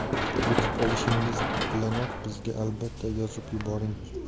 yetib olishingiz bilanoq bizga albatta yozib yuboring